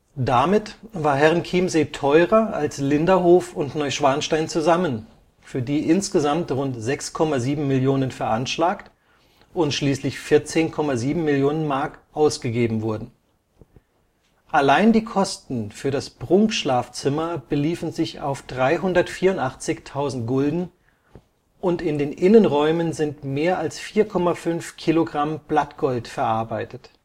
Damit war Herrenchiemsee teurer als Linderhof und Neuschwanstein zusammen, für die insgesamt rund 6,7 Millionen veranschlagt und schließlich 14,7 Millionen Mark ausgegeben wurden. Allein die Kosten für das Prunkschlafzimmer beliefen sich auf 384.000 Gulden und in den Innenräumen sind mehr als 4,5 Kilogramm Blattgold verarbeitet